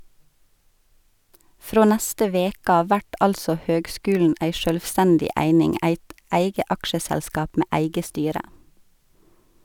Frå neste veke av vert altså høgskulen ei sjølvstendig eining, eit eige aksjeselskap med eige styre.